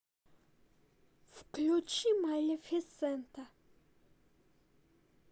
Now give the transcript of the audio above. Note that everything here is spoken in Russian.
включи малефисента